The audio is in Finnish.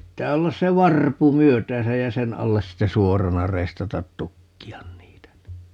pitää olla se varpu myötäänsä ja sen alle sitten suorana reistata tukkia niitä niin